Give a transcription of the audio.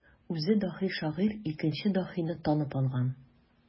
Үзе даһи шагыйрь икенче даһине танып алган.